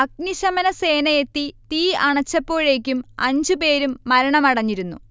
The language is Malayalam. അഗ്നിശമന സേന എത്തി തീ അണച്ചപ്പോഴേക്കും അഞ്ചു പേരും മരണമടഞ്ഞിരുന്നു